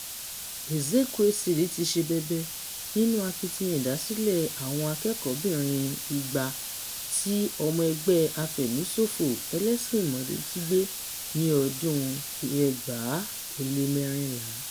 Ezekwesili ti ṣe bẹbẹ nínú akitiyan ìdásílẹ̀ àwọn akẹ́kọ̀ọ́-bìnrin 200 tí ọmọ ẹgbẹ́ afẹ̀míṣòfo Ẹlẹ́sìn ìmale jí gbé ní ọdún 2014.